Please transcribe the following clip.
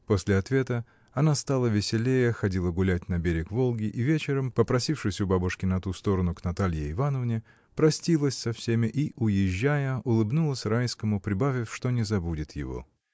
После ответа она стала веселее, ходила гулять на берег Волги, и вечером, попросившись у бабушки на ту сторону, к Наталье Ивановне, простилась со всеми, и, уезжая, улыбнулась Райскому, прибавив, что не забудет его.